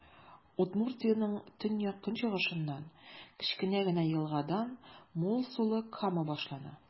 Удмуртиянең төньяк-көнчыгышыннан, кечкенә генә елгадан, мул сулы Кама башлана.